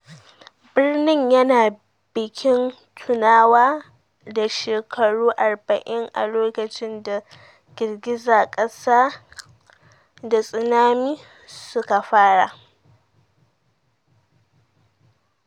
Birnin yana bikin tunawa da shekaru 40 a lokacin da girgizar kasa da tsunami suka fara.